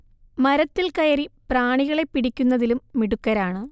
മരത്തിൽ കയറി പ്രാണികളെ പിടിയ്ക്കുന്നതിലും മിടുക്കരാണ്